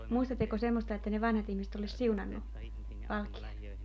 muistatteko semmoista että ne vanhat ihmiset olisi siunannut valkean